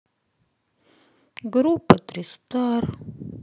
группа тристар